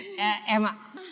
em ạ